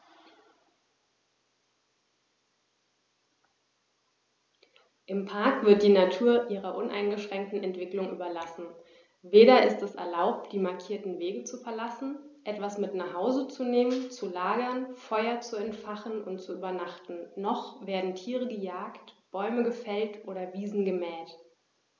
Im Park wird die Natur ihrer uneingeschränkten Entwicklung überlassen; weder ist es erlaubt, die markierten Wege zu verlassen, etwas mit nach Hause zu nehmen, zu lagern, Feuer zu entfachen und zu übernachten, noch werden Tiere gejagt, Bäume gefällt oder Wiesen gemäht.